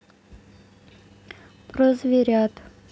про зверят